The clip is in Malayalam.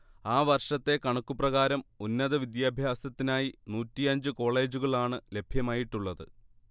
ആ വർഷത്തെ കണക്കു പ്രകാരം ഉന്നതവിദ്യാഭ്യാസത്തിനായി നൂറ്റിയഞ്ച് കോളേജുകളാണ് ലഭ്യമായിട്ടുള്ളത്